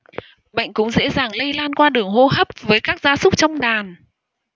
bệnh cũng dễ dàng lây lan qua đường hô hấp với các gia súc trong đàn